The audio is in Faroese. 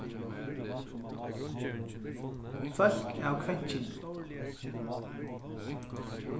fólk av kvennkyni